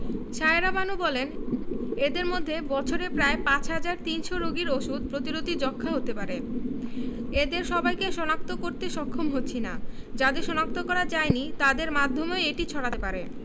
সায়েরা বানু বলেন এদের মধ্যে বছরে প্রায় ৫ হাজার ৩০০ রোগীর ওষুধ প্রতিরোধী যক্ষ্মা হতে পারে এদের সবাইকে শনাক্ত করতে সক্ষম হচ্ছি না যাদের শনাক্ত করা যায়নি তাদের মাধ্যমেই এটি ছড়াতে পারে